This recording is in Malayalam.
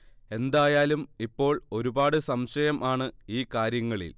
എന്തായാലും ഇപ്പോൾ ഒരുപാട് സംശയം ആണ് ഈ കാര്യങ്ങളിൽ